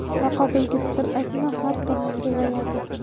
noqobilga sir aytma har tomonga yoyadi